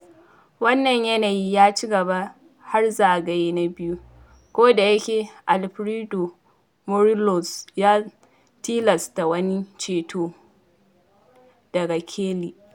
Wannan yanayi ya ci gaba har zagaye na biyu, kodayake Alfredo Morelos ya tilasta wani ceto daga Kelly.